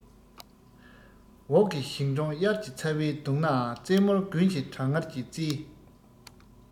འོག གི ཞིང གྲོང དབྱར གྱི ཚ བས གདུང ནའང རྩེ མོར དགུན གྱི གྲང ངར གྱིས གཙེས